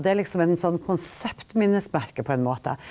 det er liksom en sånn konseptminnesmerke på en måte.